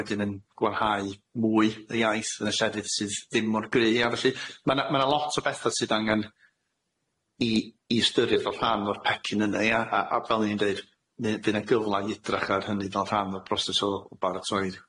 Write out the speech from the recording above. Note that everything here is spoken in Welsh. wedyn yn gwanhau mwy y iaith yn y llefydd sydd ddim mor gry a felly ma' na ma' na lot o betha sydd angan i i ystyried o rhan o'r pecyn yna ia a a a fel o'n i'n deud ne' by' na gyfla i edrach ar hynny fel rhan o'r broses o baratoi'r